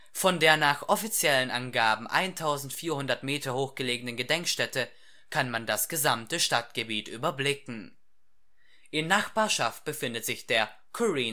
Von der nach offiziellen Angaben 1.400 m hoch gelegenen Gedenkstätte kann man das gesamte Stadtgebiet überblicken. In Nachbarschaft befindet sich der Korea